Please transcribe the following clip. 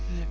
oui